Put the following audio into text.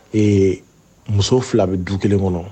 Ee muso fila bɛ du kelen kɔnɔ